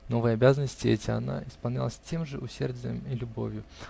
Новые обязанности эти она исполняла с тем же усердием и любовью.